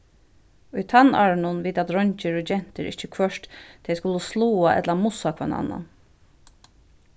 í tannárunum vita dreingir og gentur ikki hvørt tey skulu sláa ella mussa hvønn annan